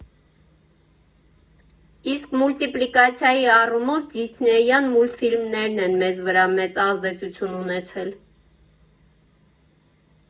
Իսկ մուլտիպլիկացիայի առումով Դիսնեյյան մուլտֆիլմներն են մեզ վրա մեծ ազդեցություն ունեցել։